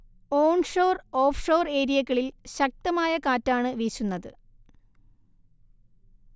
onshore, offshore ഏരിയകളിൽ ശക്തമായ കാറ്റാണ് വീശുന്നത്